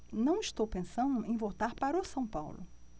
não estou pensando em voltar para o são paulo